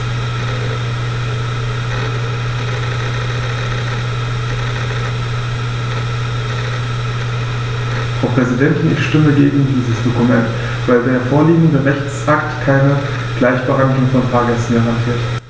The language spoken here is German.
Frau Präsidentin, ich stimme gegen dieses Dokument, weil der vorliegende Rechtsakt keine Gleichbehandlung von Fahrgästen garantiert.